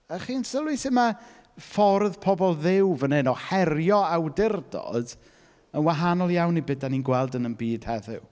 A chi'n sylwi sut ma' ffordd pobl Dduw fan hyn o herio awdurdod, yn wahanol iawn i be dan ni'n gweld yn ein byd heddiw.